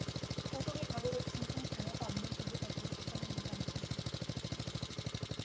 고소비가구계층 중 자녀가 없는 부부가구의 구성원보다 많이 쓴다